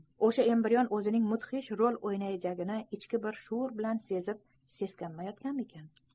o'sha embrion o'zining mudhish rol' o'ynayajagini ichki bir shuur bilan sezib seskanmaganmikin